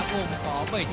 bảy